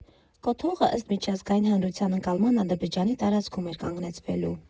Կոթողը, ըստ միջազգային հանրության ընկալման, Ադրբեջանի տարածքում էր կանգնեցվելու։